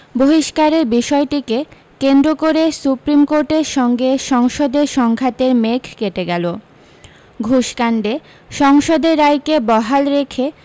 বহিষ্কারের বিষয়টিকে কেন্দ্র করে সুপ্রিম কোর্টের সঙ্গে সংসদের সংঘাতের মেঘ কেটে গেল ঘুষ কাণ্ডে সংসদের রায়কে বহাল রেখে